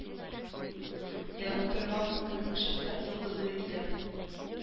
Янып торган күкнең шәфкать йолдызы иде.